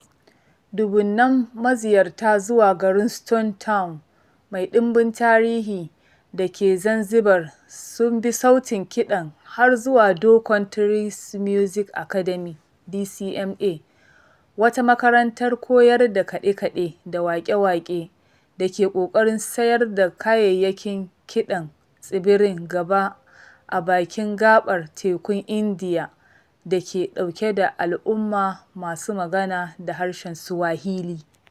Dubunnan maziyarta zuwa garin Stone Town mai ɗimbin tarihi da ke Zanzibar sun bi sautin kiɗan har zuwa Dhow Countries Music Academy (DCMA), wata makarantar koyar da kaɗe-kaɗe da waƙe-waƙe da ke ƙoƙarin ciyar da kayayyakin kiɗan tsibirin gaba a bakin gaɓar Tekun Indiya da ke dauke da al'umma masu magana da harshen Swahili.